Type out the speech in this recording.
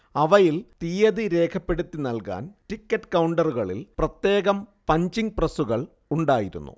അവയിൽ തിയ്യതി രേഖപ്പെടുത്തി നൽകാൻ ടിക്കറ്റ് കൗണ്ടറുകളിൽ പ്രത്യേകം പഞ്ചിങ് പ്രസ്സുകൾ ഉണ്ടായിരുന്നു